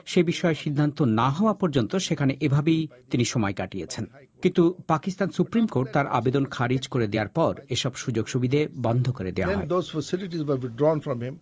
সে বিষয়ে সিদ্ধান্ত না হওয়া পর্যন্ত সেখানে এভাবেই তিনি সময় কাটিয়েছেন কিন্তু পাকিস্তান সুপ্রিম কোর্ট তার আবেদন খারিজ করে দেয়ার পর এসব সুযোগ-সুবিধা বন্ধ করে দেয়া হয় then those facilities withdrawn from him